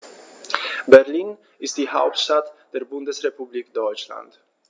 Berlin ist die Hauptstadt der Bundesrepublik Deutschland.